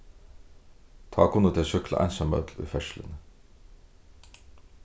tá kunnu tey súkkla einsamøll í ferðsluni